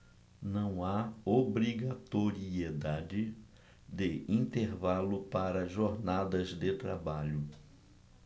não há obrigatoriedade de intervalo para jornadas de trabalho